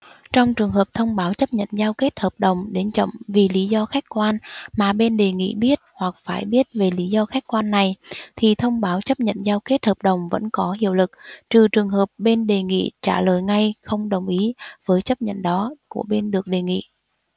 trong trường hợp thông báo chấp nhận giao kết hợp đồng đến chậm vì lý do khách quan mà bên đề nghị biết hoặc phải biết về lý do khách quan này thì thông báo chấp nhận giao kết hợp đồng vẫn có hiệu lực trừ trường hợp bên đề nghị trả lời ngay không đồng ý với chấp nhận đó của bên được đề nghị